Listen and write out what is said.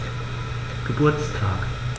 Geburtstag